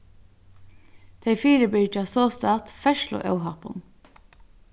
tey fyribyrgja sostatt ferðsluóhappum